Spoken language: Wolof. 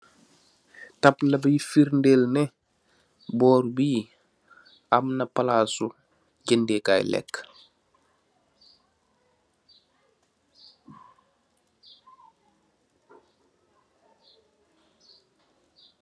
Tabla biy firndel neh, boor bii amna palaasu, jendeeh kaay lek.